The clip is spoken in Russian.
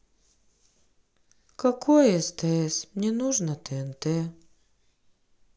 какое стс мне нужно тнт